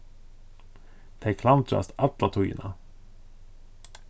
tey klandrast alla tíðina